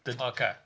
Ocê